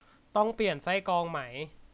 ต้องเปลี่ยนไส้กรองไหม